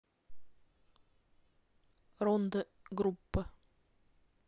рондо группа